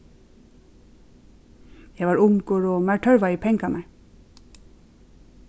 eg var ungur og mær tørvaði pengarnar